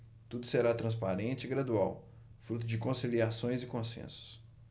tudo será transparente e gradual fruto de conciliações e consensos